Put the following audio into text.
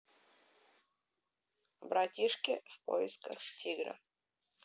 братишки в поисках тигра